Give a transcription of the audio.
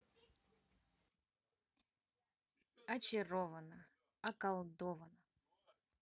очарована околдована